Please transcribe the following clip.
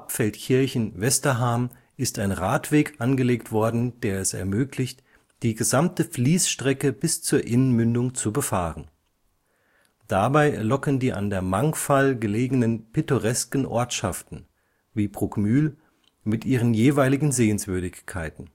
Feldkirchen-Westerham ist ein Radweg angelegt worden, der es ermöglicht die gesamte Fließstrecke bis zur Inn-Mündung zu befahren. Dabei locken die an der Mangfall gelegenen pittoresken Ortschaften, wie Bruckmühl, mit ihren jeweiligen Sehenswürdigkeiten